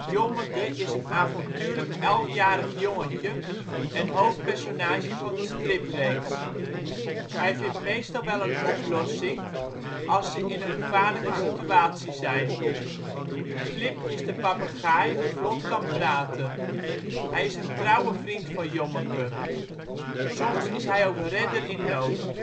Jommeke is een avontuurlijk elfjarig jongetje en hoofdpersonage van de stripreeks. Hij vindt meestal wel een oplossing als ze in een gevaarlijke situatie zijn. Flip is de papegaai die vlot kan praten. Hij is een trouwe vriend van Jommeke. Soms is hij ook redder in nood